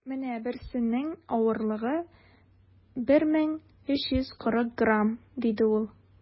- менә берсенең авырлыгы 1340 грамм, - диде ул.